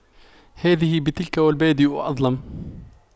هذه بتلك والبادئ أظلم